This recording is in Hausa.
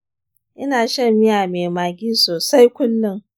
ina shan miya mai maggi sosai kullun.